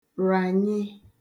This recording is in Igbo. rànye